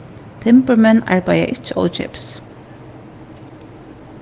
timburmenn arbeiða ikki ókeypis